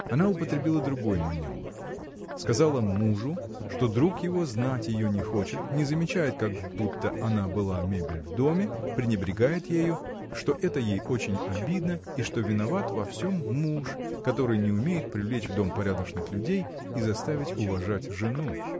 Она употребила другой маневр: сказала мужу, что друг его знать ее не хочет, не замечает, как будто она была мебель в доме, пренебрегает ею, что это ей очень обидно и что виноват во всем муж, который не умеет привлечь в дом порядочных людей и заставить уважать жену.